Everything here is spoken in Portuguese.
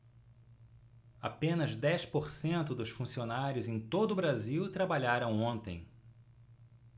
apenas dez por cento dos funcionários em todo brasil trabalharam ontem